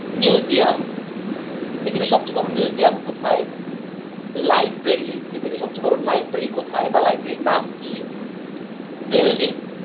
museum পৃথিবীর সবচেয়ে বড় মিউজিয়াম কোথায় লাইব্রেরি পৃথিবীর সবচেয়ে বড় লাইব্রেরি কোথায় বা লাইব্রেরীর নাম কি বিল্ডিং